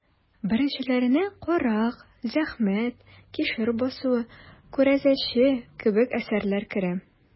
Беренчеләренә «Карак», «Зәхмәт», «Кишер басуы», «Күрәзәче» кебек әсәрләр керә.